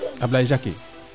Ablaye Jackie